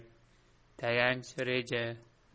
tayanch reja